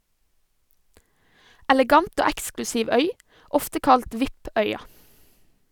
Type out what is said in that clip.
Elegant og eksklusiv øy, ofte kalt "VIP- øya".